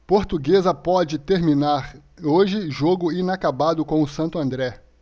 portuguesa pode terminar hoje jogo inacabado com o santo andré